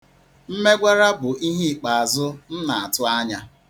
Mmegwara bụ ihe ikpeazụ m na-atụ anya.